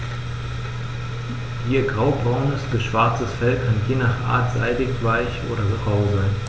Ihr graubraunes bis schwarzes Fell kann je nach Art seidig-weich oder rau sein.